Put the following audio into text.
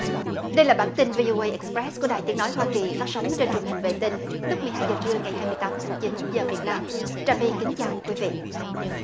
đây là bản tin vi ô ây ịch pờ rét của đài tiếng nói hoa kỳ phát sóng trên truyền hình vệ tinh lúc mười hai giờ trưa ngày hai mươi tám tháng chín giờ việt nam trà my kính chào quý vị